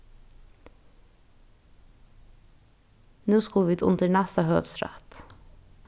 nú skulu vit undir næsta høvuðsrætt